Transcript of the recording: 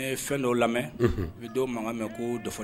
N ye fɛn dɔ lamɛn u bɛ don mankan min ko dɔ